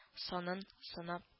Санын санап